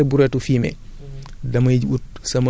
bu dee ñenti brouettes laa def